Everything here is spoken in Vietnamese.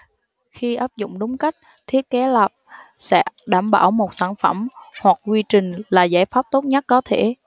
khi áp dụng đúng cách thiết kế lặp sẽ đảm bảo một sản phẩm hoặc quy trình là giải pháp tốt nhất có thể